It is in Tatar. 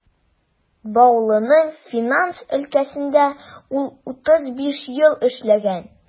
Баулының финанс өлкәсендә ул 35 ел эшләгән.